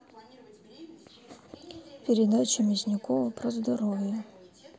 передача мясникова про здоровье